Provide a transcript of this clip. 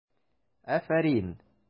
Афәрин!